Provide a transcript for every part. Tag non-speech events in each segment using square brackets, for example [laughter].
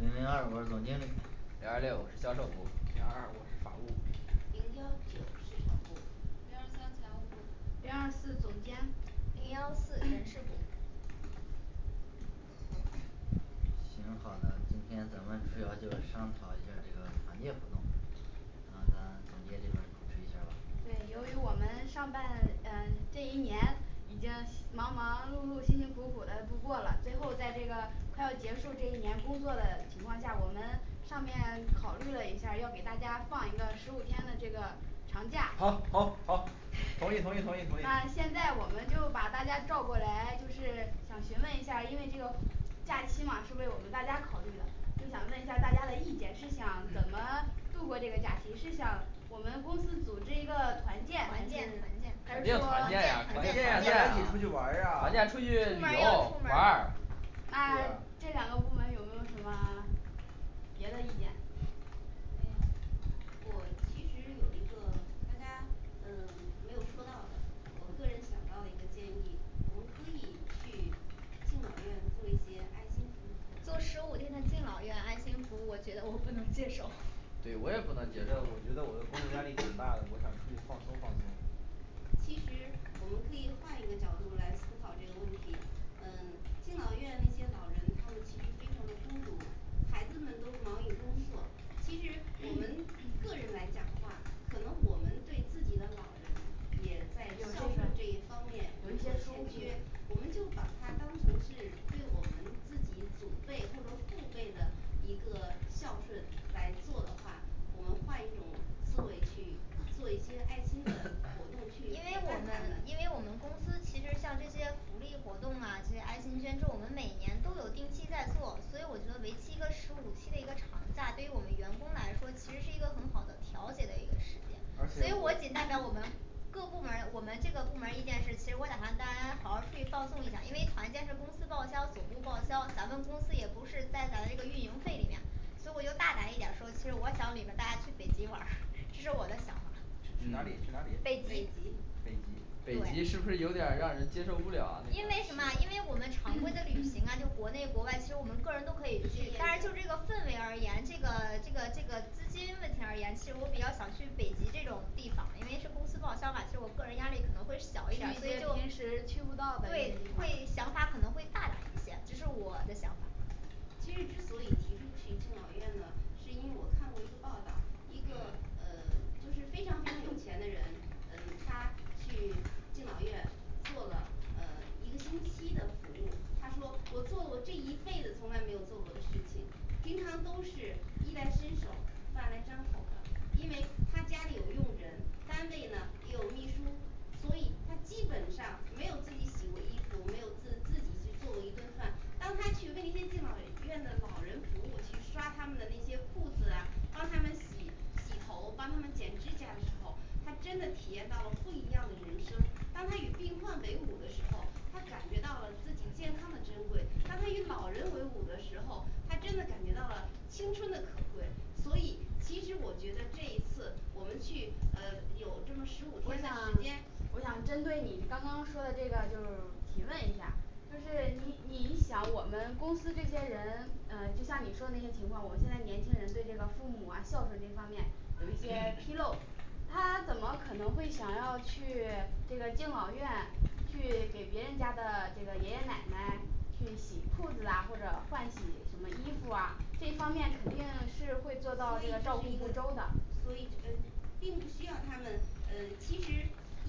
零零二我是总经理零二六我是销售部零二二我是法务零幺九市场部零二三财务部零二四总监零幺四人事部行，好的。今天咱们主要就是 [noise] 商讨一下儿这个团建活动那咱总监这边儿主持一下儿吧对，由于我们，上半诶这一年已经辛忙忙碌碌，辛辛苦苦的度过了，最后在这个快要结束这一年工作的情况下，我们上面考虑了一下儿，要给大家放一个十五天的这个长假好好好同意同意同意同意 [noise] 那现在我们就把大家召过来就是想询问一下，因为这个团建团建团建团建团建部门儿要出门儿啊对啊，这两个部门有没有什么别的意见？没有做十五天的敬老院爱心服务，我觉得我不能接受 [noise] 对，我也不能我接觉得受我觉得我的工作压力挺大的，我想出去放松放松其实我们可以换一个角度来思考这个问题，呃敬老院那些老人他们平时非常的孤独孩子们都忙于工作，其实我们个人来讲的话，可能我们对自己的老人也在孝顺这一方面有有一一些些疏欠缺忽，我们就把它当成是对我们自己祖辈或者父辈的一个孝顺来做的话我们换一种思维去做一些爱心的 [hesitation] 活动因去陪为我伴们他们。因为我们公司其实像这些福利活动啊，这些爱心捐助其实我们每年都有定期在做，所以我觉得为期一个十五期的一个长假，对于我们员工来说其实是一个很好的调节的一个时间而所以且我我仅代表我们各部门儿我们这个部门儿意见是，其实我打算大家好好出去放松一下，因为团建是公司报销总部报销，咱们公司也不是败在这个运营费里面所以我就大胆一点儿说，其实我想领着大家去北极玩儿， [noise] 这是我的想法儿去哪里，去哪北北里极极北极北极，是对不是有点儿让人接受不了啊因为是公司报销嘛，就我个人压力可能会去一小一点儿，所些以就平时去不到的，一些地对，方会想法儿可能会大胆一些，这是我的想法。其实之所以提出去敬老院呢，是因为我看过一个报道，一个呃就是非常非常有钱的人，嗯，他去敬老院做了呃一个星期的服务，他说我做我这一辈子从来没有做过的事情，平常都是衣来伸手饭来张口的，因为他家里有佣人单位呢也有秘书，所以他基本上没有自己洗过衣服，没有自自己去做过一顿饭，当他去为那敬老院的老人服务去刷他们的那些裤子啊，帮他们洗洗头，帮他们剪指甲的时候他真的体验到了不一样的人生。 当他与病患为伍的时候，他感觉到了自己健康的珍贵，当他与老人为伍的时候，他真的感觉到了青春的可贵，所以其实我觉得这一次我们去呃有这么十五我天的想时间，我想针对你刚刚说的这个就是提问一下儿就是你你想我们公司这些人嗯就像你说的那些情况，我们现在年轻人对这个父母啊孝顺这方面有一些纰漏他怎么可能会想要去这个敬老院去给别人家的这个爷爷奶奶去洗裤子啊或者换洗什么衣服啊，这方面肯定所以这个一个是会做到这个照顾不周的，，所以呃并不需要他们呃，其实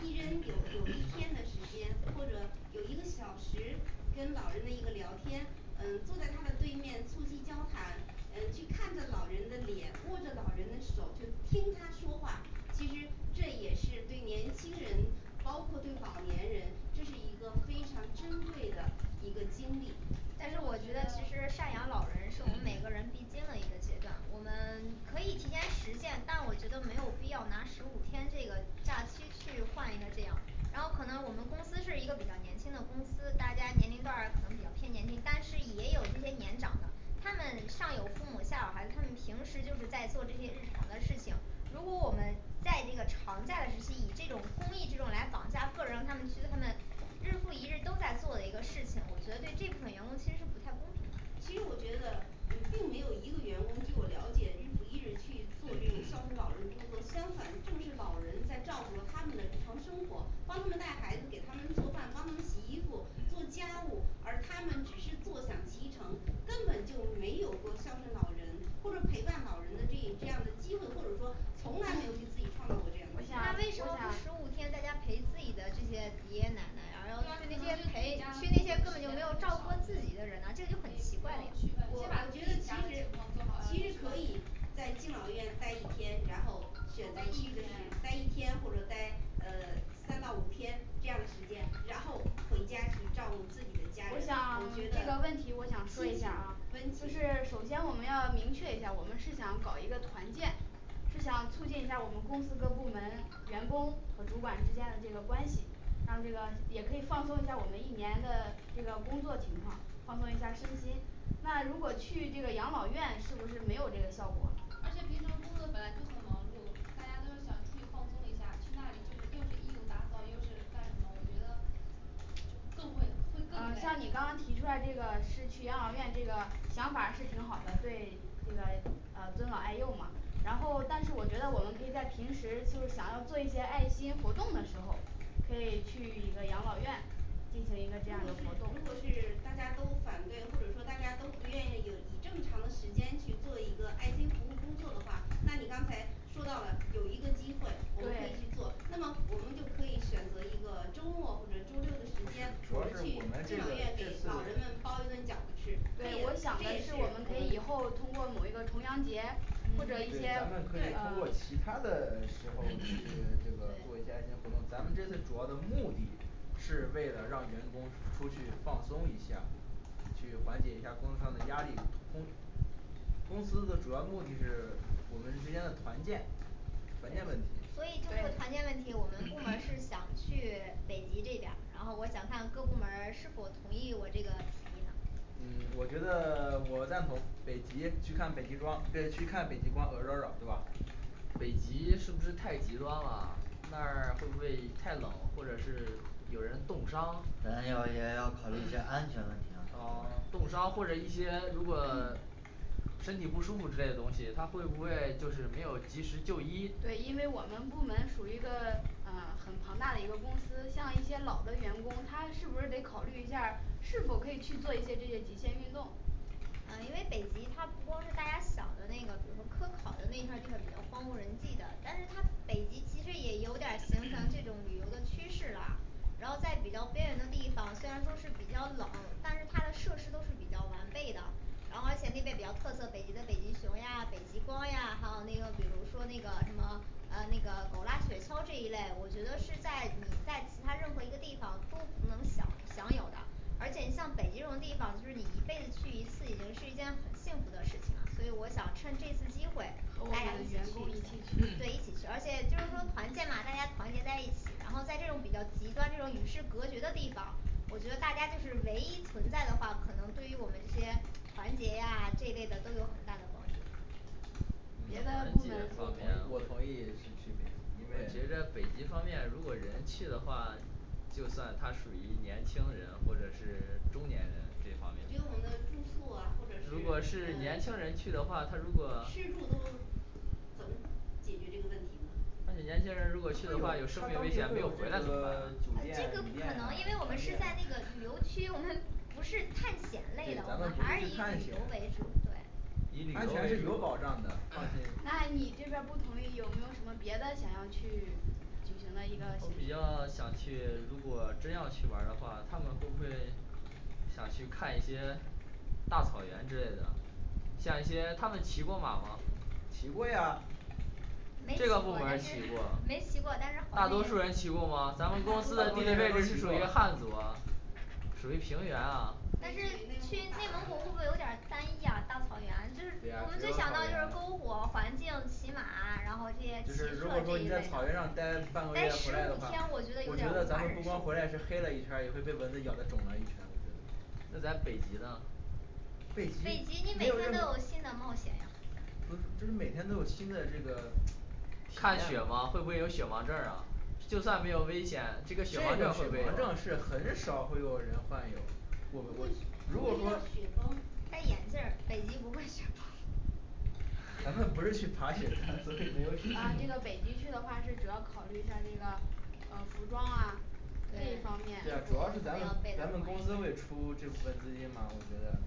一人有有一天的时间，或者有一个小时跟老人的一个聊天，嗯，坐在他的对面促膝交谈，呃去看着老人的脸，握着老人的手就听他说话，其实这也是对年轻人，包括对老年人，这是一个非常珍贵的一个经历，但但是是我我觉觉得得其实赡养老人是我们每个人必经的一个阶段，我们 [silence] 可以提前实现，但我觉得没有必要拿十五天这个假期去换一个这样，然后可能我们公司是一个比较年轻的公司，大家年龄段儿可能比较偏年轻，但是也有这些年长的他们上有父母下有孩子，他们平时就是在做这些日常的事情，如果我们在这个长假的这定义，以这种公益这种来绑架个人他们其实他们日复一日都在做的一个事情，我觉得对这部分员工其实是不太公平的。其实我觉得呃并没有一个员工据我了解日复一日去做这种孝顺老人工作，相反正是老人在照顾了他们的日常生活，帮他们带孩子给他们做饭，帮他们洗衣服做家务，而他们只是坐享其成，根本就没有过孝顺老人或者陪伴老人的这一这样的机会，或者说从来没有给自己创造过这样我想我想待一天我想这个问题我想说一下儿啊，就是首先我们要明确一下，我们是想搞一个团建是想促进一下儿我们公司各部门员工和主管之间的这个关系，让这个也可以放松一下我们一年的这个工作情况，放松一下身心那如果去这个养老院是不是没有这个效果，而且平常工作本来就很忙碌，大家都想去放松一下，去那儿以后又是义务打扫又是干什么，我觉得更会会更啊像累你刚刚提出来这个是去养老院这个想法儿是挺好的，对这个呃尊老爱幼嘛，然后但是我觉得我们可以在平时就是想要做一些爱心活动的时候可以去一个养老院进行一如果是如个这样的活动果，对是，大家都反对，或者说大家都不愿意有以这么长的时间去做一个爱心服务工作的话，那你刚才说到了有一个机会我们可以去对做，那么我们就可以选择一个周末或者周六的时间，主我要们是去我们这敬个老院，给这次老人们包一顿饺子吃，这也对我想这的也是是我我们们可以以后通过某一个重阳节对或者一些咱对们可以通过呃其他的时候儿去这个做一些爱心活动，咱们这次主要的目的是为了让员工出去放松一下儿，去缓解一下儿工作上的压力。公公司的主要目的是我们之间的团建团建问题所以就这个团建对问题我们部门儿是想去北极这边儿，然后我想看各部门儿是否同意我这个提议呢嗯，我觉得 [silence] 我赞同，北极去看北极庄，对去看北极光呃绕绕对吧？北极是不是太极端了，那儿会不会太冷或者是有人冻咱伤，们要也要考虑一些安全问题啊啊冻伤或者一些如果，身体不舒服之类的东西，他会不会就是没有及时就医？对，因为我们部门属于一个呃很庞大的一个公司，像一些老的员工，他是不是得考虑一下儿是否可以去做一些这些极限运动？呃因为北极它不光是大家想的那个比如科考的那个地儿很荒芜人际的，但是它北极其实也有点儿形成这种旅游的趋势了。然后在比较边远的地方，虽然说是比较冷，但是它的设施都是比较完备的，然后而且那边比较特色北极的北极熊呀、北极光呀，还有那个比如说那个什么呃那个狗拉雪橇这一类，我觉得是在在其他任何一个地方都不能享享有的，而且你像北极这种地方就是你一辈子去一次已经是一件很幸福的事情了，所以我想趁这次机会和我们大家一的起员工一起去对去一起去，而且就是说团建啊大家团结在一起，然后在这种比较极端这种与世隔离隔绝的地方我觉得大家就是唯一存在的话，可能对于我们这些团结呀这一类的都有很大的帮助嗯团结，别的我部同意门我同意去去我北极，觉因得为北极方面如果人去的话就算它属于年轻人或者是中年人这方面，因为我们的住宿啊如或果者是是呃，年轻人去的话他如果吃住都怎么解决这个问题呢？那你年轻人会有，它当地会有这个 [silence] 酒店，旅店呀如果去的话有生命危险没有回来怎么办？这个不可能，因为我，饭们是在那店呀个旅游区，我们不是探险对，类的，我咱们们不还是是以去探旅险游为主，对以旅安游全为是有主保障的，放心那你这边儿不同意有没有什么别的想要去举行的一个形比较式想去如果真要去玩儿的话，他们会不会想去看一些大草原之类的。 像一些他们骑过马吗骑过呀没这骑个部过，门儿但是骑过，[noise] 没骑过，但是大好多多数儿人人骑过吗？咱们公大多司数儿的这些人人都都是骑属过于汉族啊属于平原啊那那是这你去内内蒙蒙古会古大草原不会有点儿单一呀大草原，就是对呀可，能只是有草想到就是原篝火，环境，骑马，然后这些骑射这一类，待十五天我觉得有点儿无法忍受 [noise] 那在北极呢北北极极你，没每有天任都何有新的冒险呀不是，就是每天都有新的这个看雪吗？会不会有雪盲症儿啊？ 就算没有危险，这这个个雪雪盲盲症儿症，是很少会有人患有会会会会遇如果到说雪崩戴眼镜儿，北极不会雪崩 [noise] 咱们不是去爬雪山，所以没有雪啊，这个崩， [noise] 北极去的话是主要考虑一下儿这个呃服装啊对，衣服，不要被这一方面对呀，主子 [noise] 好要一是咱们咱们公司会点出这部分资金吗，我觉得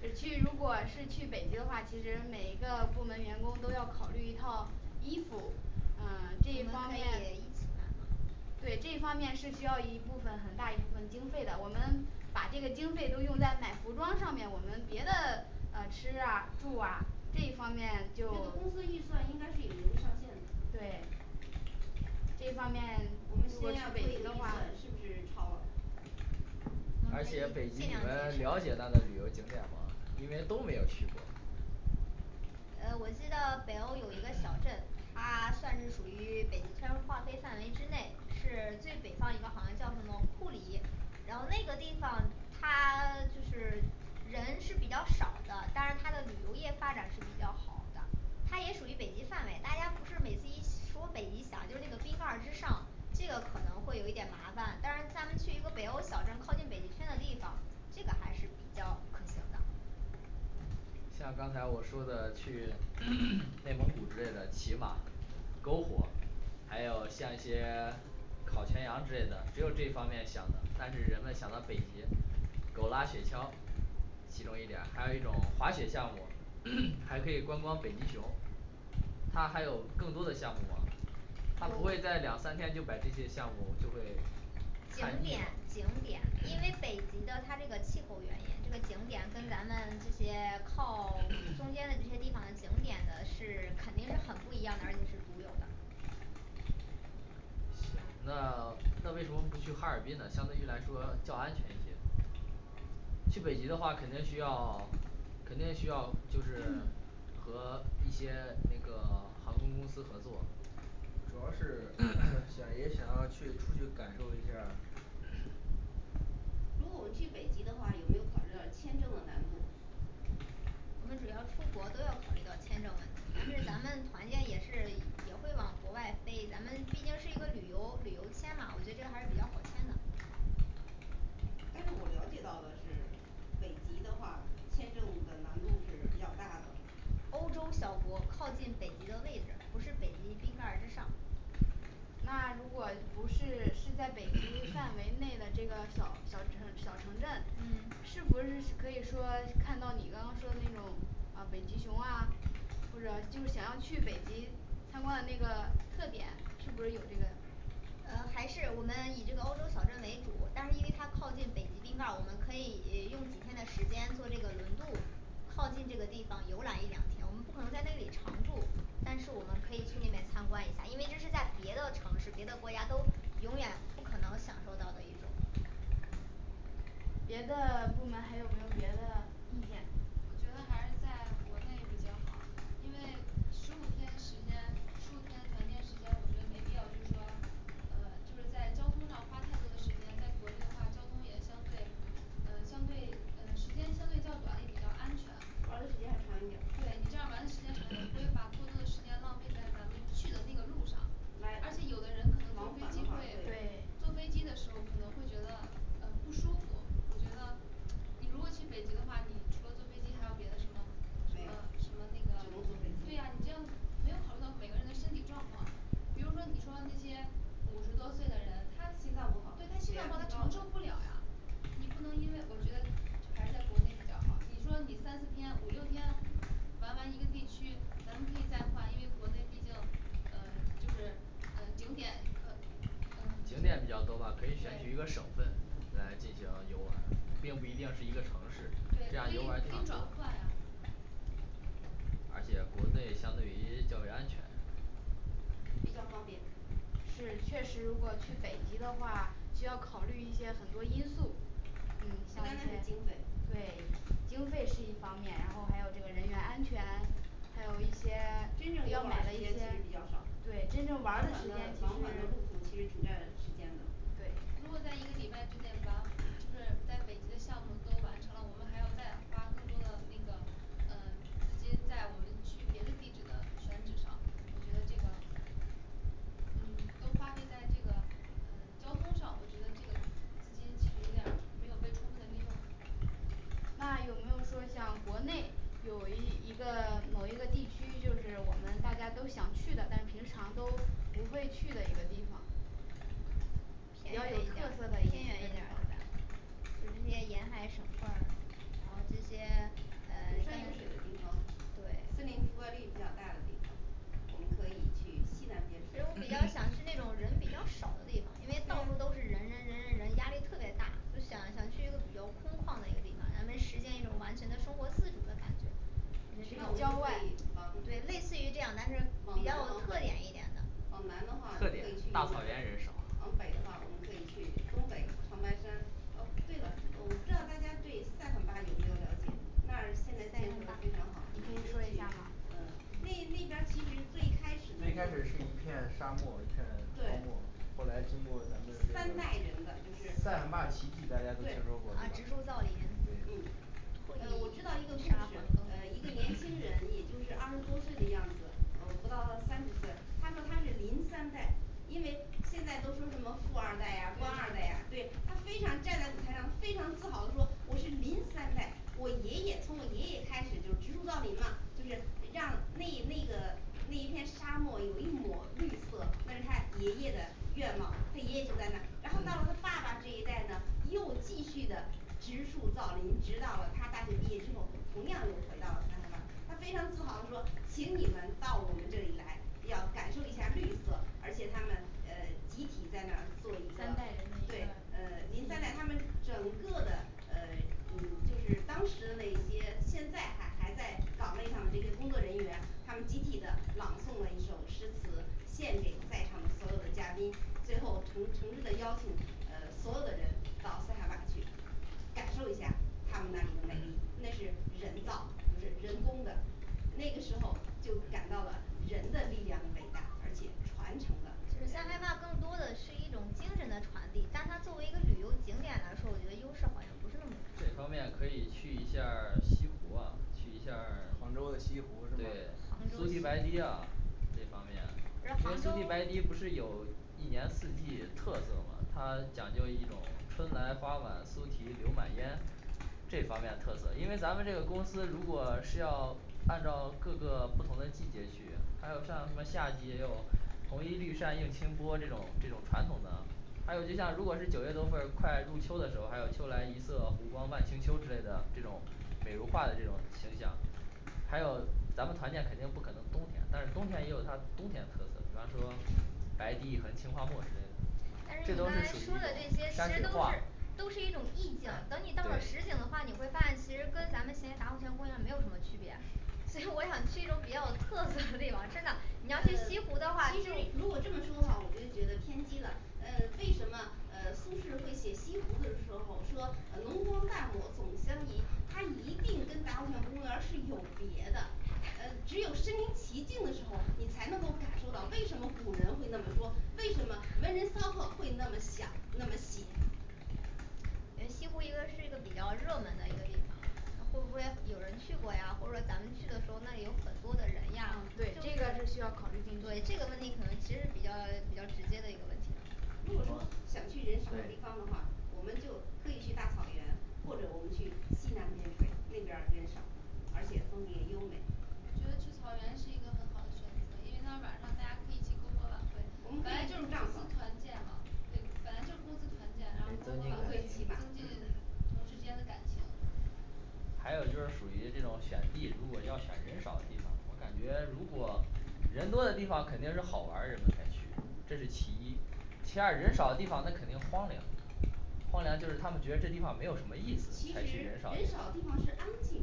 此去如果是去北极的话，其实每一个部门员工都要考虑一套衣服嗯，我这一们方面可以一起嘛对这一方面是需要一部分很大一部分经费的，我们把这个经费都用在买服装上面，我们别的呃吃啊住啊这一方面，这就个公司预算应该是有一个上限，的对而且北极你们了解那儿的，旅游景点吗，因为都没有去过呃我知道北欧有一个小镇，它算是属于北极村划分范围之内，是最北方一个好像叫什么库里。然后那个地方它 [silence] 就是人是比较少的，当然它的旅游业发展是比较好的它也属于北极范围，大家不是每次一说北极想就那个冰盖儿之上，这个可能会有一点儿麻烦，但是他们去一个北欧小镇靠近北极村的地方，这个还是比较准确的像刚才我说的去 [crosstalk] 内蒙古之类的骑马、篝火还有像一些 [silence] 烤全羊之类的，只有这方面想的，但是人们想到北极狗拉雪橇，其中一点儿，还有一种滑雪项目儿， [crosstalk] 还可以观光北极熊，它还有更多的项目啊他不会在有两三天就把这些项目就会景看腻点了景点，因为北极的它这个气候原因这个景点跟咱们这些靠中间的这些地方的景点呢是肯定是很不一样的。 而且是独有的那 [silence] 那为什么不去哈尔滨呢，相对于来说较安全一些去北极的话肯定需要肯定需要就是 [hesitation] 和一些那个航空公司合作，主要是想也想要出去感受一下儿如果我们去北极的话，有没有考虑到签证的难度？但是我了解到的是北极的话签证的难度是比较大的。欧洲小国靠近北极的位置不是北极冰盖儿之上那如果不是是在北极范围内的这个小小城小城镇，是嗯不是是可以说看到你刚刚说的那种啊北极熊啊或者就想要去北极参观的那个特点，是不是有这个呃还是我们以这个欧洲小镇为主，但是因为它靠近北极冰盖儿，我们可以用几天的时间坐这个轮渡，靠近这个地方游览一两天我们不能在那里长住，但是我们可以去那边参观一下，因为这是在别的城市，别的国家都永远不可能享受到的一种。别的部门儿还有没有别的意见我觉得还是在国内比较好。因为十五天时间十五天团建时间，我觉得没必要，就是说呃就是在交通上花太多的时间，在国内的话交通也相对呃相对呃时间相对较短，也比较安玩全儿，的时间还长对一点你这样玩儿的时间长一点，不会把过多的时间浪费在咱们去的那个路上来而且有的人可，往能返坐飞机的会话&会对&坐飞机的时候可能会觉得呃不舒服，我觉得你如果去北极的话，你除了坐飞机还有别的什么，什没么有，只什能么那个坐飞，对机呀，你没有没有考虑到每个人的身体状况，比如说你说那些五十多岁的人，他，心脏不好对他心血压脏升不好他承受高不的了呀，你不能因为我觉得还是在国内比较好，你说你三四天五六天玩完一个地区咱们可以再换，因为国内毕竟呃就是呃景点可，嗯景点比较多吧，可以选取一个省，对，份来进行游玩儿并不一定是一个城市对，这可样以游可玩儿地以转方，换呀。而且国内相对于也较为安全比较方便是确实如果去北极的话，需要考虑一些很多因素不嗯，单像一单是些经，费对经费是一方面，然后还有这个人员安全还有一些真正，游要玩儿买的的时一间些其实比较少，对真正玩儿的时间其实，如果对在一个礼拜之内玩儿就是在北极的项目都完成了，我们还要再花更多的那个呃资金带我们去别的地址的选址上，我觉得这个嗯，都花费在这个交通上，我觉得这个资金其实有点儿没有被充分利用。那有没有说像国内有一一个某一个地区，就是我们大家都想去的，但平常都不会去的一个地方比偏较远有一特点儿色的一一偏远些一地点儿方。的就这些沿海省份儿啊这些呃有山有水的地方，，森对林覆盖率比较大的地方我们可以去西南边其实我陲比，较想去那种人比较少的地方，因为到处都是人人人人人压力特别大，就想想去一个旅游空旷的一个地方，咱们实现一种完全的生活自主的感觉郊外对类似于这样，但是比较有特点一点的特点，大草原人少塞罕坝，你可以说一下吗最开始是一片沙漠一片荒对漠后来经过咱们这个三代人的就是塞罕坝奇迹，大家都听对说过啊对吧植树造林对嗯呃我会知道一个故沙事漠，呃一人个年轻人也就是二十多岁的样子，呃不到三十岁，他说他是林三代因为现在都说什么富二代呀官有二代呀，钱对他人非常站在舞台上非常自豪的说我是林三代，我爷爷从我爷爷开始就植树造林嘛，就是让那那个那一片沙漠有一抹绿色，那是他爷爷的愿望，他爷爷就在那儿，然后到了他爸嗯爸这一代呢又继续的植树造林，直到了他大学毕业之后同样又回到了塞罕坝，他非常自豪地说请你们到我们这里来要感受一下绿色，而且他们呃集体在那儿做一个三代人的对呃一林个三代他们森林整个的呃嗯就是当时那些现在还还在岗位上的这些工作人员，他们集体的朗诵了一首诗词，献给在场的所有的嘉宾，最后诚诚挚的邀请呃所有的人到塞罕坝去感受一下他们那里的美丽，那是人造人人工的那个时候就感到了人的力量的伟大，而且传承的这方面可以去一下儿西湖啊，去一下儿杭州的西湖是吗？对杭州人杭州这方面特色，因为咱们这个公司如果是要按照各个不同的季节去，还有像什么夏季也有红衣绿扇映清波这种这种传统的，还有就像如果是九月多份儿快入秋的时候，还有秋来一色湖光万顷秋之类的这种美如画的这种形象。还有咱们团建肯定不可能冬天，但是冬天也有它冬天的特色，比方说白堤一痕青花墨之类的但是这你都刚才是属于说的这一种些这山些水都是画，都是一种意境，等你到了实对景的话，你会发现其实跟咱们现在达活泉公园没有什么区别，所以我想去一个比较有特色的地方， [noise] 真的你要去西湖的话呃，其实就如果这么说话我就觉得偏激了，呃为什么呃苏轼会写西湖的时候说呃浓妆淡抹总相宜，它一定跟达活泉公园儿是有别的，呃只有身临其境的时候，你才能够感受到为什么古人会那么说，为什么文人骚客会那么想那么写呃西湖一个是一个比较热门的一个地方，会不会很有人去过呀，或者咱们去的时候那里有很多的人嗯呀，都有对，对这个是需要考虑进去的这个问题肯定其实比较比较直接的一个问题。什么，对我觉得去草原是一个很好的选择，因为到晚上大家可以一起篝火晚会，我我们们可可以以就住帐公司团建篷嘛。对，本来就是公司团建，然可后以篝增火进晚会对，就去骑会马增感情进同事间的感情嘛。还有就是属于这种选地，如果要选人少的地方感觉如果人多的地方肯定是好玩儿人们才去的，这是其一，其二人少的地方那肯定荒凉荒凉就是他们觉得这地方没有什么意其思，才实去人人人少少，地方是安静，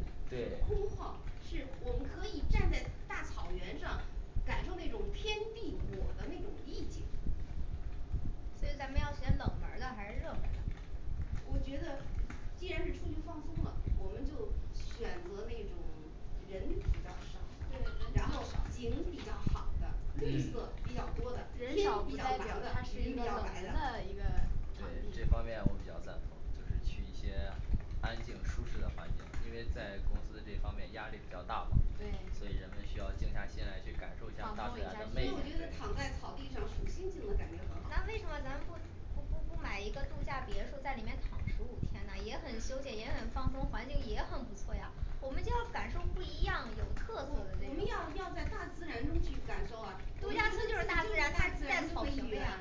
是对空旷，是我们可以站在大草原上感受那种天地我的那种意境。所以咱们要选冷门儿的还是热门儿的？我觉得既然是出去放松了，我们就选择那种人比较少对。人的，比较然后少的景比较好的绿色比嗯较多的天比人较少蓝的，云不代表它是一比个冷较白门的的一个场地，对放松一下心情那为什么咱不不不不买一个度假别墅在里面躺十五天呢也很休闲也很放松，环境也很不错呀，我们就要感受不一样，有特色我的我那们种，要要在大自然中去感受啊，我度们假就是村就就是是大大自自然大自带然中草的一坪的员呀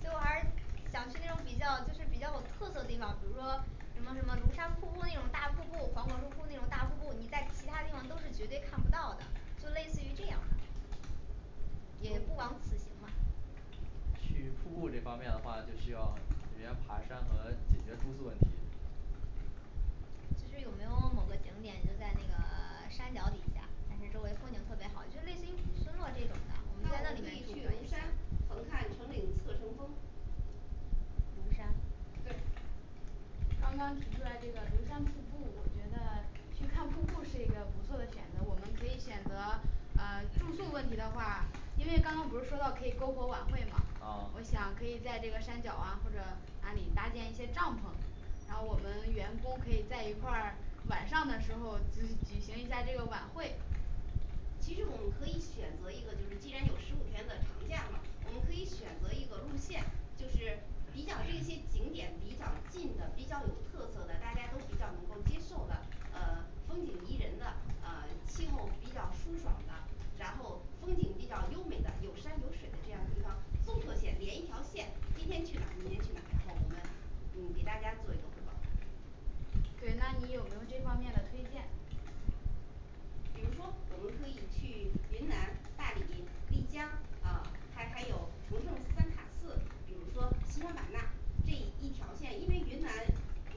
其实我还是想去那种比较就是比较有特色的地方，比如说什么什么庐山瀑布那种大瀑布，黄河瀑布那种大瀑布，你在其它地方都是绝对看不到的，就类似于这样，也不枉此行了。去瀑布这方面的话，就需要人员爬山和解决住宿问题其实有没有某个景点就在那个 [silence] 山脚底下，就是周围风景特别好，就类似于古村落这种的那我们可以去庐山横看成岭侧成峰庐山。对刚刚提出来这个庐山瀑布，我觉得去看瀑布是一个不错的选择，我们可以选择呃住宿问题的话，因为刚刚不是说到可以篝火晚会嘛，我啊想可以在这个山脚啊或者哪里搭建一些帐篷然后我们员工可以在一块儿晚上的时候嗯举行一下儿这个晚会其实我们可以选择一个就是既然有十五天的长假嘛，我们可以选择一个路线，就是比较这些景点比较近的，比较有特色的，大家都比较能够接受的，呃风景宜人的，呃气候比较舒爽的，然后风景比较优美的，有山有水的这样的地方，综合点连一条线今天去哪明天去哪，然后我们嗯给大家做一个汇报。对那你有没有这方面的推荐？比如说我们可以去云南、大理、丽江，呃还还有重庆三塔寺，比如说西双版纳这一条线，因为云南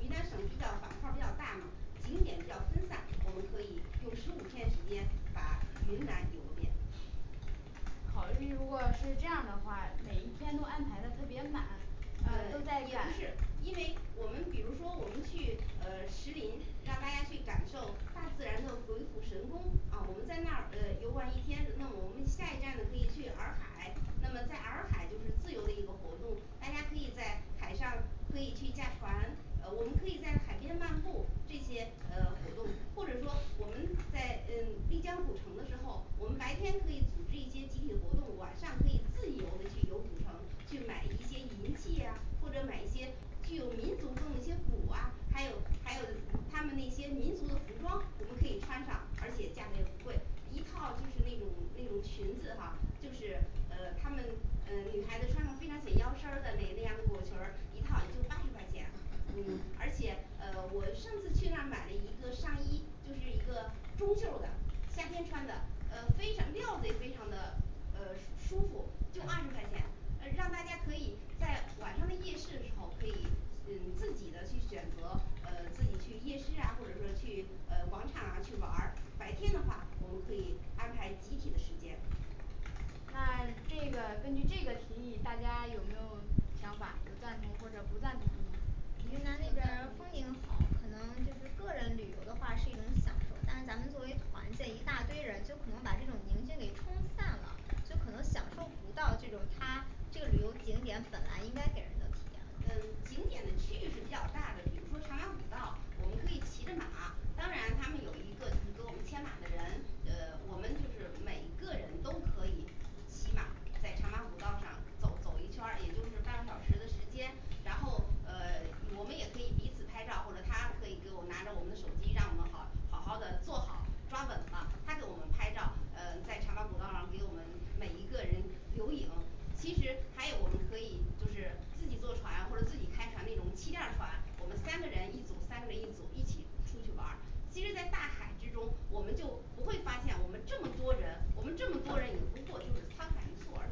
云南省比较板块儿比较大嘛，景点比较分散，我们可以用十五天时间把云南游个遍考虑，如果是这样的话，每一天都安排的特别满对，呃也不，呃都在赶是因为比如说我们去呃石林，让大家去感受大自然的鬼斧神工，啊我们在那儿呃游玩儿一天，那我们下一站可以去洱海，那么在洱海就是自由的一个活动，大家可以在海上可以去驾船，呃我们可以在海边漫步这些呃活动，或者说我们在呃丽江古城的时候，我们白天可以组织一些集体活动，晚上可以自由的去游古城，去买一些银器呀，或者买一些具有民族风的一些鼓啊，还有还有他们那些民族的服装我们可以穿上，而且价格也不贵，一套就是那种那种裙子哈，就是呃她们呃女孩子穿上非常显腰身儿的那那样的裹裙儿，一套也就八十块钱。嗯， 而且呃我上次去那儿买了一个上衣，就是一个中袖儿的夏天穿的呃非常料子也非常的呃舒服&嗯&，就二十块钱呃，让大家可以在晚上的夜市的时候，可以呃自己的去选择呃自己去夜市啊或者说去呃广场啊去玩儿，白天的话我们可以安排集体的时间那这个根据这个提议大家有没有想法有赞同或者不赞同的我吗？赞同呃，景点的区域是比较大的，比如说长马古道，我们可以骑着马，当然他们有一个就是跟我们牵马的人，呃我们就是每一个人都可以骑马在长马古道上走走一圈儿，也就是半个小时的时间，然后呃我们也可以彼此拍照，或者他可以给我拿着我们的手机让我们好好好的坐好，抓稳嘛他给我们拍照，呃在长马古道上给我们每一个人留影其实还有我们可以就是自己坐船啊或者自己开船那种气垫儿船，我们三个人一组三个人一组一起出去玩儿其实在大海之中我们就不会发现我们这么多人，我们这么多人也不过就是沧海一粟而已。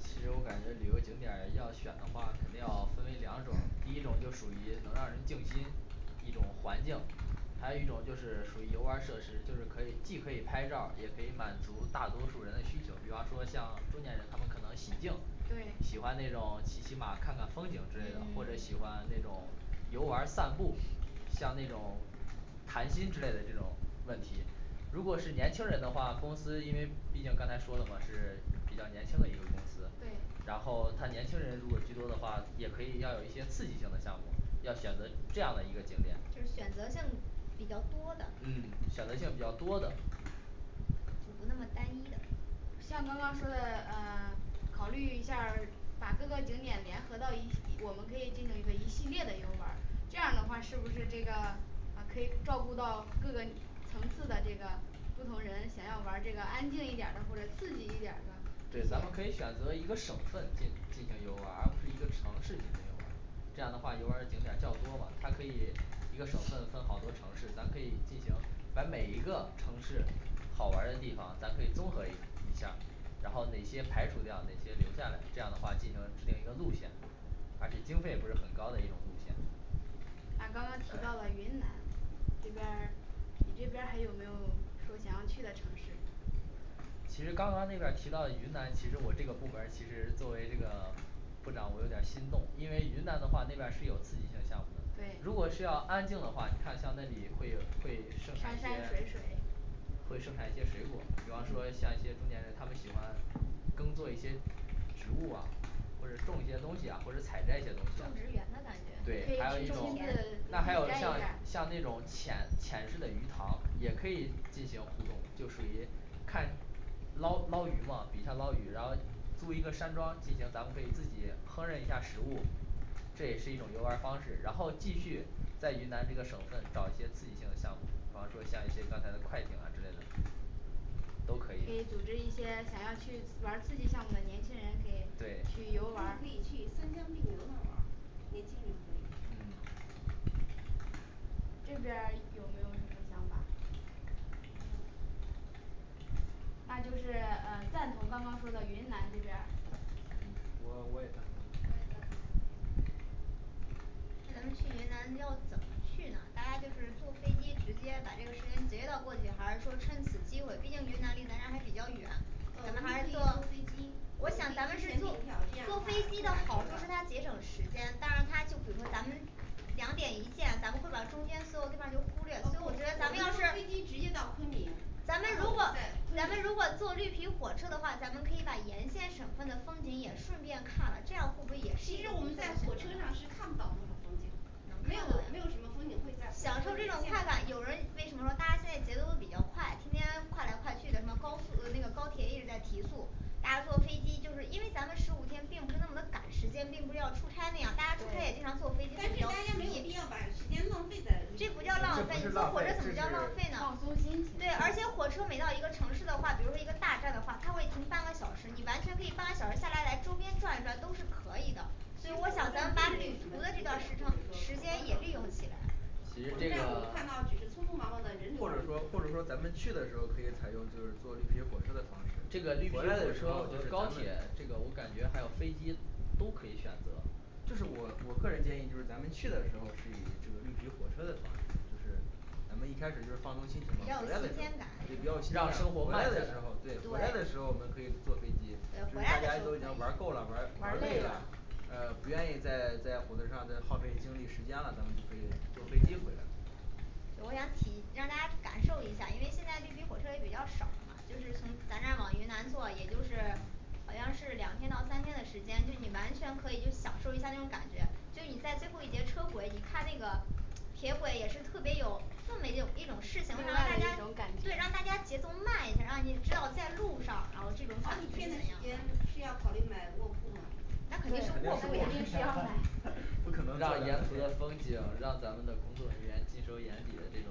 其实我感觉旅游景点儿要选的话肯定要分为两种，第一种就属于能让人静心，一种环境，还有一种就是属于游玩儿设施，就是可以既可以拍照儿也可以满足大多数儿人嘞需求。比方说像中年人他们可能喜静对喜欢那种骑骑马看看风景之类的，或嗯者喜欢那种游玩儿散步，像那种谈心之类的这种问题。如果是年轻人的话，公司因为毕竟刚才说了嘛是比较年轻的一个公司，对然后他年轻人如果需求的话，也可以要有一些刺激性的项目要选择这样的一个景点就是选择性比较多的嗯选择性比较多的不那么单一的像刚刚说的呃考虑一下儿，把各个景点联合到一一，我们可以进行一个一系列的游玩儿，这样的话是不是这个对咱们可以选择一个省份进进行游玩儿，而不是一个城市进行游玩儿。这样的话游玩儿的景点儿较多吧，它可以一个省份分好多城市，咱可以进行把每一个城市好玩儿的地方，咱可以综合一一下儿，然后哪些排除掉哪些留下来这样的话进行制定一个路线，而且经费也不是很高的一种路线。啊刚刚提到了诶云南这边儿你这边儿还有没有说想要去的城市？其实刚刚那边儿提到的云南，其实我这个部门儿其实作为这个 [silence] 部长我有点儿心动，因为云南的话那边儿是有自己的项目，如对果是要安静的话，你看像那里会有会盛产山一些山水水会盛产一些水果儿，比方说像嗯一些中年人他们喜欢耕作一些植物啊，或者种一些东西啊或者采摘一些东种西啊，植园的感觉对，还有一种那儿还有像有像那种浅浅式的鱼塘也可以进行互动就属于看捞捞鱼嘛，比下捞鱼，然后租一个山庄进行，咱们可以自己烹饪一下儿食物，这也是一种游玩儿方式，然后继续在云南这个省份找一些刺激性的项目，比方说像一些刚才的快艇啊之类的都可以对他们可以去三江并流那儿玩儿，年轻人可以嗯这边儿有没有什么想法？没有那就是呃赞同刚刚说的云南这边儿嗯，，我我也赞同我也赞同咱们去云南要怎么去呢大家就是坐飞机直接把这个时间结到过去，还是说趁此机会，毕竟云南离咱这儿还比较远，咱们还是说，我想咱们是坐坐飞机的好处是它节省时间，当然它就比如说咱们两点一线，咱们会把中间最后这帮就忽略了，我我觉得咱们们要坐是飞机直接到昆明，然咱后们如果咱们停如果在昆明坐绿皮火车的话，咱们可以把沿线省份的风景也顺便看了，这样会不会也是其一实种我们在放火松车上是看不到多少风景的没有没有什么风景在火享车受里这面种看快到感，有人为什么说大家现在节奏都比较快，天天快来快去的，什么高那个高铁一直在提速，大家坐飞机就是因为咱们十五天并不那么赶时间，并不是要出差那样，大家也经常坐飞机，是但比是较大家没有必皮要，把时间浪费在这这不路不是叫上浪浪了费费，，你坐火车这怎么能是浪费呢，放松是心对，而情且火车每到一个城市的话，比如说一个大站的话，它会停半个小时你完全可以半个小时下来来周边转一转都是可以的旅游景点或者说可观的火其实这车个站我们看到只是 [silence] 匆匆忙忙的人或者说流问题或者说咱们去的时候儿可以采用就是坐绿皮火车的方这个绿式，皮火回来的时车候儿和就是高咱们铁这个我感觉还有飞机都可以选择这是我我个人建议就是咱们去的时候儿是以这个绿皮火车的方式，就是咱们一开始就是放松心情嘛比，较回来有的时新候鲜儿感，对比较有新鲜感让，生活回慢来下的来时候儿对回来的对时候儿我们可以坐飞机，这对，是回大来的时家候都已经玩儿儿够坐一下了玩儿玩玩儿儿累累了了呃不愿意再在火车上再耗费精力时间了，咱们就可以坐飞机回来就我想起让大家感受一下，因为现在绿皮火车也比较少，就是从咱这儿往云南坐，也就是&嗯&好像是两天到三天的时间，这你完全可以就享受一下这种感觉，就你在最后一节车轨你看那个铁轨也是特别有特别有一种事情，它另让外的大一家种感，觉对，让大家节奏慢一下儿，让你知道在路上就然好后几这种感觉天的怎时样间是要考虑买卧铺吗？那肯那肯肯定定定是是卧卧铺铺呀是要啊买 [noise] [noise] 不可能坐着，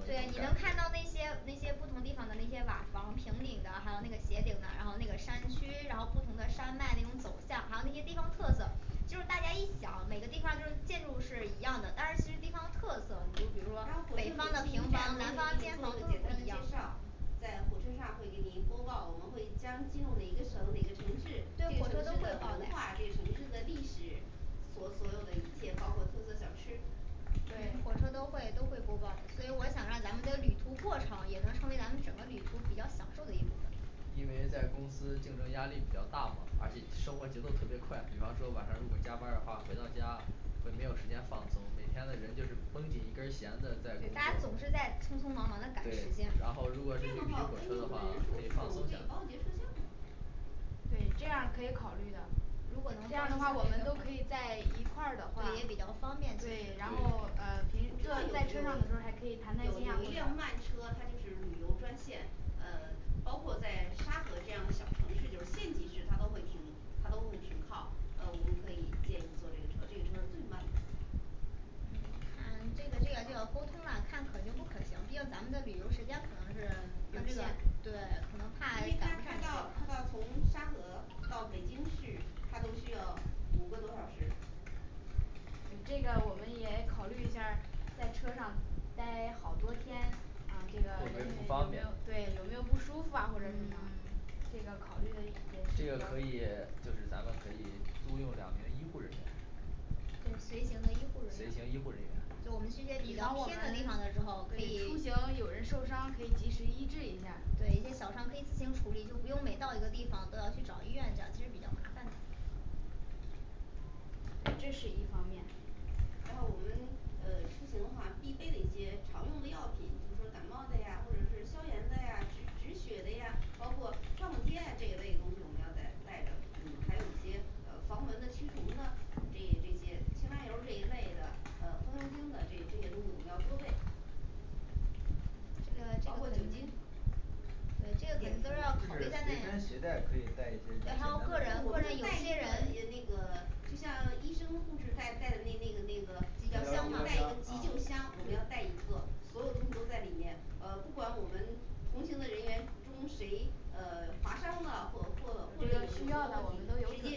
对，你能看到那些那些不同地方的那些瓦房平顶的，还有那个斜顶的，然后那个山区，然后不同的山脉那种走向，还有那些地方特色就是大家一想每个地方就是建筑是一样的，但是其实地方特色，就比如说它火车北每方到的一个平站房，然南后方都的会尖给房都你做是一不个一样简单的的介绍在火车上会给你播报我们会将进入哪个省，哪个城市，这对个，火车都城市会的报文的化，这个城市的历史所所有的一切包括特色小吃，对火车都会都会播报，所以我想让咱们的旅途过程，也能成为咱们整个旅途比较享受的一种对，大家总是在匆匆忙忙的赶时对间，然后这样的话根据如我果们的就是绿皮火人数车儿我的话们可可以以包放一节松一车下厢儿啊对，这样儿可以考虑的如果，能这样儿的话我们都可以在一块儿的话对，也比较方便，对，然后对呃我知道有平这有你在车有上的时候儿还可以谈谈心有啊或者一辆慢车，它就是旅游专线，呃包括在沙河这样的小城市就是县级市它都会停它都会停靠，呃我们可以建议坐这个车，这个车是最慢的嗯，这个这个就要沟通了看可行不可行，毕竟因为咱们这旅游时间可能是有，对限，可能怕因为它赶不它上到它这到从个时间沙河到北京市它都需要五个多小时这个我们也考虑一下儿在车上呆好多天，啊这个会不会人员不有方没便有对，有没有不舒服啊或者什么这个考虑的也是比较对，随行的医护人员。对， 我们去一些比比较方我们偏的地方的时候，可以，对一出些行有人受小伤伤可可以及时医治一下儿以自行处理，就不用每到一个地方都要去找医院这样这是比较麻烦的。对，这是一方面。然后我们呃出行的话必备一些常用的药品，比如说感冒的呀或者是消炎的呀止止血的呀，包括创可贴呀这一类的东西我们要带带着，嗯，还有一些呃防蚊的驱虫的，这这些清凉油儿这一类的，呃风油精的这这些东西我们要多备这个这包括个酒肯精定对，这个点儿都就要考是虑在随内，身携带可以带一些简还单有我们就带一个人个人，的，有一些人，个那个就像医生护士带带的那那个那个医疗医叫箱，急救疗箱箱啊，我，们要带对一个所有东西都在里面，呃不管我们同行的人员中谁呃划伤了或或或这者个需要的我们都有准，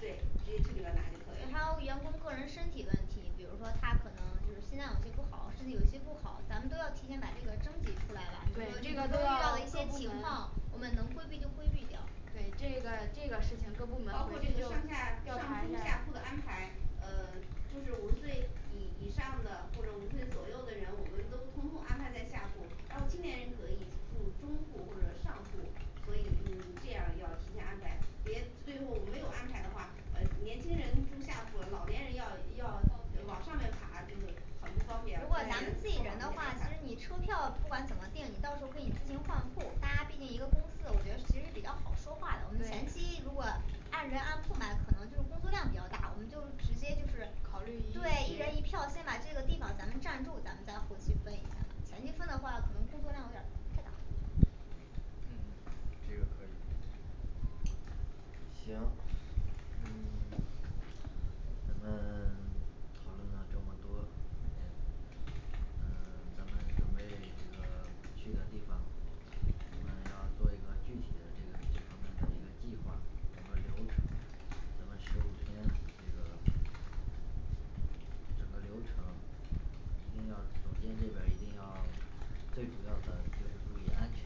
备直接去里边拿就可对，还有以了员工个人身体问题，比如说他可能就是心脏有些不好，身体有些不好咱们都要提前把这个征集出来了，不对必这个都要要的一各些部情况我门们能规避就规避掉对这个这个事情各部门包回括这去就就上下调上查中一下下儿铺的安排，呃就是五十岁以以上的或者五十岁左右的人，我们都通通安排在下铺，然后青年人可以住中铺或者上铺，所以嗯这样儿要提前安排，别最后没有安排的话呃年轻人住下铺，老年人要要往上面爬，就是很不方便，作如果为老咱们自己年人人的的话话，其实你车票不管怎么订，你到时候跟你自行换铺，大家毕竟一个公司我觉得其实比较好说话的，我们前期对如果按人按铺买可能就是工作量比较大，我们就直接就是考虑对一人一一群票先把这个地方咱们占住，咱们再回去分一下儿前期分的话可能工作量有点儿太大嗯，这个可以行。嗯 [silence] 咱们 [silence] 讨论了这么多整个流程一定要，总监这边儿一定要，最主要的就是注意安全，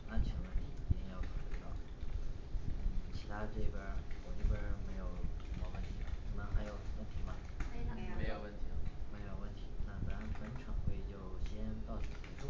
对安全问题一定要考虑到嗯，其他这边儿我这边儿没有什么问题，你们还有问题吗？没了没没有有问题了没有问题那咱本场会议就先到此结束